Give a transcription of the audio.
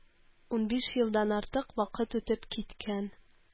Унбиш елдан артык вакыт үтеп киткән